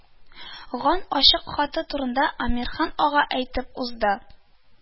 Ган ачык хаты турында әмирхан ага әйтеп узды